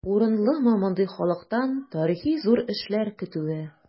Урынлымы мондый халыктан тарихи зур эшләр көтүе?